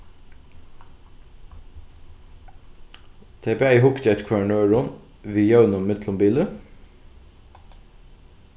tey bæði hugdu at hvørjum øðrum við jøvnum millumbili